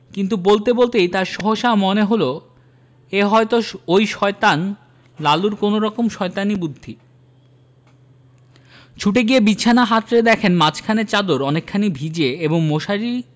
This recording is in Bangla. কিন্তু বলতে বলতেই তাঁর সহসা মনে হলো এ হয়ত ঐ শয়তান লালুর কোনরকম শয়তানি বুদ্ধি ছুটে গিয়ে বিছানা হাতড়ে দেখেন মাঝখানে চাদর অনেকখানি ভিজে এবং মশারি